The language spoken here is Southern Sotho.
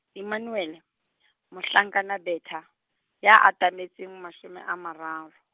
Emmanuele, mohlankana Bertha, ya atametseng mashome a mararo.